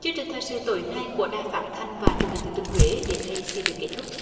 chương trình thời sự tối nay của đài phát thanh và truyền hình thừa thiên huế đến đây xin được kết thúc